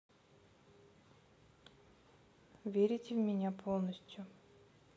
верите в меня полностью